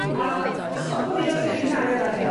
A yy stopwn ni os 'dych chi'n talu'r arian.